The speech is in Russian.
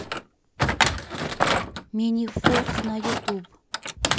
минифорс на ютуб